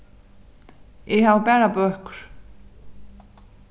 eg havi bara bøkur